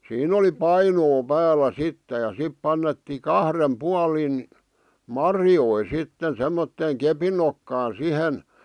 siinä oli painoa päällä sitten ja sitten pantiin kahden puolin marjoja sitten semmoiseen kepin nokkaan siihen